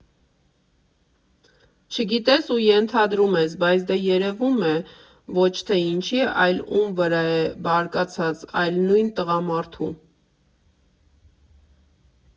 Չգիտես ու ենթադրում ես, բայց դե երևում է՝ ոչ թե ինչի, այլ ում վրա է բարկացած՝ այ, նույն տղամարդու։